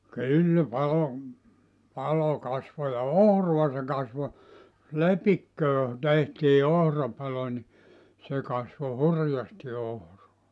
kyllä palo palo kasvoi ja ohraa se kasvoi lepikkoon tehtiin ohrapalo niin se kasvoi hurjasti ohraa